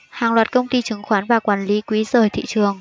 hàng loạt công ty chứng khoán và quản lý quỹ rời thị trường